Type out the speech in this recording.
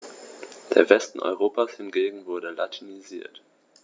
Der Westen Europas hingegen wurde latinisiert.